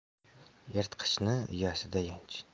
yirtqichni uyasida yanch